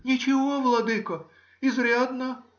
— Ничего, владыко,— изрядно